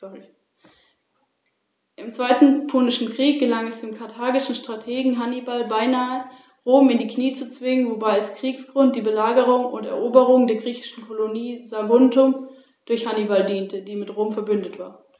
Durch das Rahmenkonzept des Biosphärenreservates wurde hier ein Konsens erzielt.